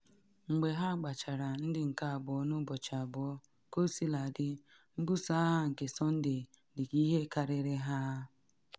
Mgbe ha gbachara ndị nke abụọ n’ụbọchị abụọ, kosiladị, mbuso agha nke Sọnde dị ka ihe karịrị ha.